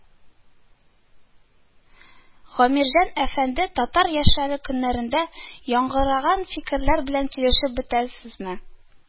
- гамирҗан әфәнде, татар яшьләре көннәрендә яңгыраган фикерләр белән килешеп бетәсезме